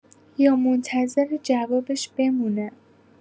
یا منتظر جوابش بمونم؟